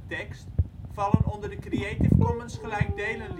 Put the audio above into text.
53° 25 ' NB, 6°